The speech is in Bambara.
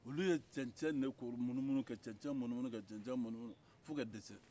olu ye ncɛncɛn de lamunu-munu ka ncɛncɛn de lamunu-munu fo ka dɛsɛ